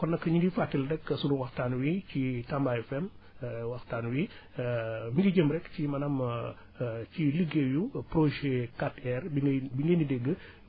kon nga ñu ngi fàttali rekk sunu waxtaan wi ci Tamba FM waxtaan wi mi ngi jëm rekk ci maanaam ci liggéeyu projet 4R mi ngay mi ngeen di dégg